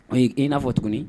Ɔn yi i n'a fɔ tuguni